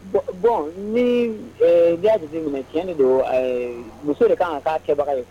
Bɔn ,bon ni y'a jate minɛ tiɲɛ yɛrɛ la, muso de ka kan k'a k'a kɛbaga ye.